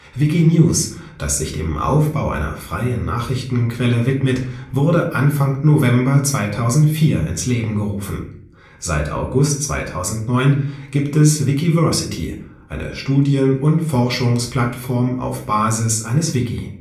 Wikinews, das sich dem Aufbau einer freien Nachrichtenquelle widmet, wurde Anfang November 2004 ins Leben gerufen. Seit August 2006 gibt es Wikiversity, eine Studien - und Forschungsplattform auf Basis eines Wiki